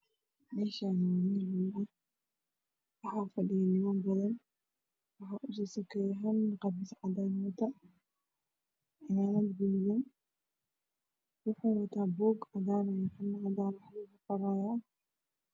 Meshan wa mel hool ah waxaa fadhiyo niman badan gal nin qamiis cadaan wato cimamad guduudan waxuu wataa puug cadan ah waxbuu qorayaa